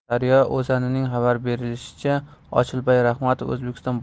daryo o'zaning xabar berishicha ochilboy ramatov o'zbekiston